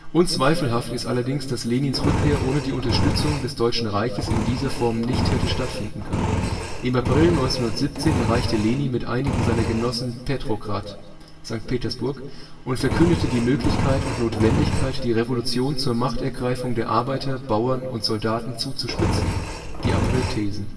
Unzweifelhaft ist allerdings, dass Lenins Rückkehr ohne die Unterstützung des Deutschen Reichs in dieser Form nicht hätte stattfinden können. Im April 1917 erreichte Lenin mit einigen seiner Genossen Petrograd (Sankt Petersburg) und verkündete die Möglichkeit und Notwendigkeit, die Revolution zur Machtergreifung der Arbeiter, Bauern und Soldaten zuzuspitzen (Aprilthesen